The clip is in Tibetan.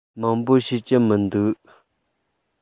མང པོ ཤེས ཀྱི མི འདུག